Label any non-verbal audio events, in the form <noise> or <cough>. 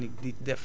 <hesitation> <hesitation>